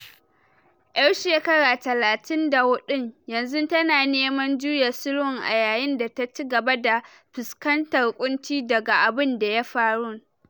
Yar shekara 34 ɗn yanzu tana neman juya sulhun a yayin da ta ci gaba da fuskantar kunci daga abun da ya farun.